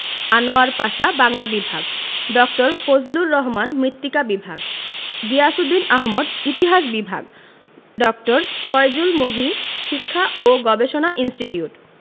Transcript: আনোয়ার পাশা বাংলা বিভাগ ড. ফজলুর রহমান মৃত্তিকা বিভাগ গিয়াসউদ্দিন আহমদ ইতিহাস বিভাগ ড. ফয়জুল মহি শিক্ষা ও গবেষণা ইনস্টিটিউট